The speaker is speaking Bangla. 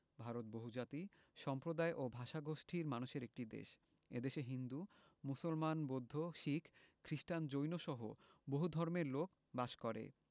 ভারত বহুজাতি সম্প্রদায় ও ভাষাগোষ্ঠীর মানুষের একটি দেশ এ দেশে হিন্দু মুসলমান বৌদ্ধ শিখ খ্রিস্টান জৈনসহ বহু ধর্মের লোক বাস করে